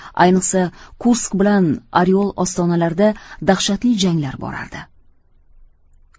ayniqsa kursk bilan oryol ostonalarida dahshatli janglar borardi